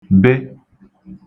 be